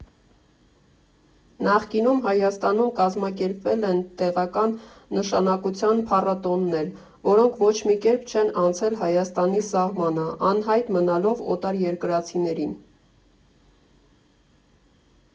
Նախկինում Հայաստանում կազմակերպվել են տեղական նշանակության փառատոներ, որոնք ոչ մի կերպ չեն անցել Հայաստանի սահմանը՝ անհայտ մնալով օտարերկրացիներին։